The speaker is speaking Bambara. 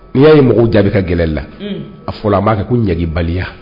N'i'a ye mɔgɔw jaabi ka gɛlɛ la a fɔra a b'a kɛ ko ɲagabaliya